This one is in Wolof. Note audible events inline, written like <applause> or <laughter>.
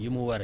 <hesitation> <hesitation>